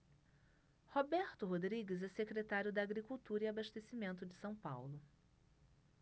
roberto rodrigues é secretário da agricultura e abastecimento de são paulo